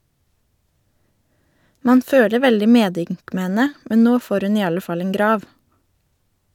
Man føler veldig medynk med henne, men nå får hun i alle fall en grav.